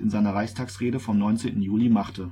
seiner Reichstagsrede vom 19. Juli machte